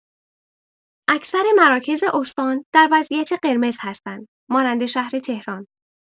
اکثر مراکز استان در وضعیت قرمز هستند مانند شهر تهران.